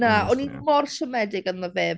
Na, o'n i'n mor siomedig ynddo fe...